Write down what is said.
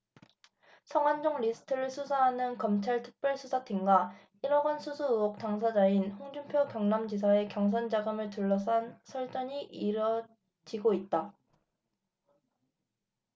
성완종 리스트를 수사하는 검찰 특별수사팀과 일 억원 수수 의혹 당사자인 홍준표 경남지사의 경선 자금을 둘러싼 설전이 이어지고 있다